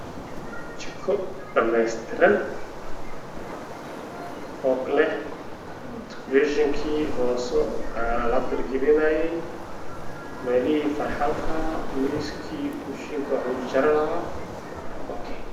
Jiko dhamaystiran oo leh kushiin meeshii lagu faraxalan lahaa iyo armaajo